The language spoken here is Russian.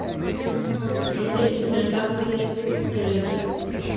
смотреть американские триллеры